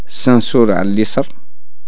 السانسور عليسر